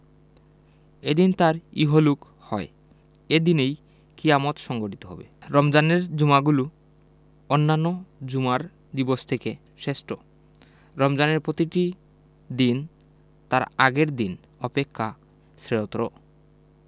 এদিন তাঁর ইহলোক হয় এদিনেই কিয়ামত সংঘটিত হবে রমজানের জুমাগুলো অন্যান্য জুমার দিবস থেকে শেষ্ঠ রমজানের পতিটি দিন তার আগের দিন অপেক্ষা শ্রেয়তর